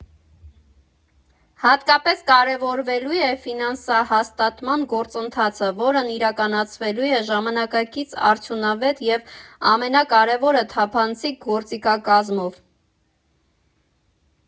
Հատկապես կարևորվելու է ֆինանսահաստատման գործընթացը, որն իրականացվելու է ժամանակակից, արդյունավետ և ամենակարևորը՝ թափանցիկ գործիքակազմով։